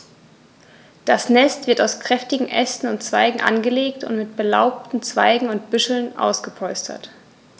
Das Nest wird aus kräftigen Ästen und Zweigen angelegt und mit belaubten Zweigen und Büscheln ausgepolstert.